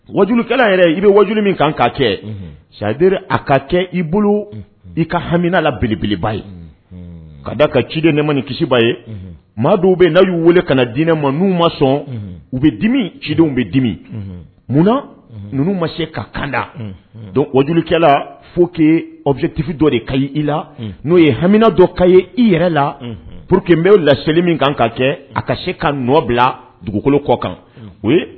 Wajukɛla i bɛ waju min kan kaa kɛ si a ka kɛ i bolo i ka hamiinala belebeleba ye ka da a ka ciden nema ni kisiba ye maa dɔw bɛ n'a y' wele ka diinɛ ma n'u ma sɔn u bɛ dimi cidenw bɛ dimi munna nu ma se ka kanda don o jolikɛla fo' mobitifi dɔ de ka i la n'o ye hamiina dɔ ka ye i yɛrɛ la pur que bɛ laseli min kan ka kɛ a ka se ka nɔ bila dugukolo kɔ kan o